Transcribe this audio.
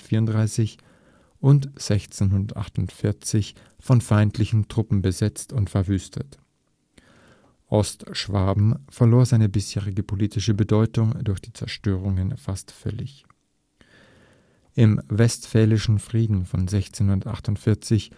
34 und 1648 von feindlichen Truppen besetzt und verwüstet. Ostschwaben verlor seine bisherige politische Bedeutung durch die Zerstörungen fast völlig. Im Westfälischen Frieden von 1648